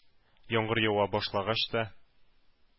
Яңгыр ява башлагач та,